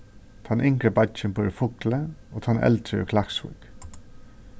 tann yngri beiggin býr í fugloy og tann eldri í klaksvík